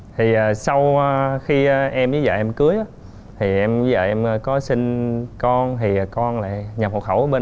thì sau khi em dới dợ em cưới á thì em với vợ em có sinh con thì con lại nhập hộ khẩu bên